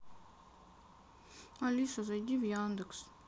алиса зайди в яндекс